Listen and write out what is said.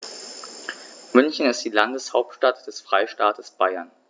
München ist die Landeshauptstadt des Freistaates Bayern.